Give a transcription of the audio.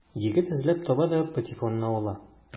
Егет эзләп таба да патефонны ала.